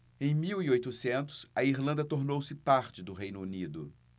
em mil e oitocentos a irlanda tornou-se parte do reino unido